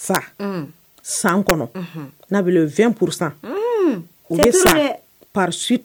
San pasi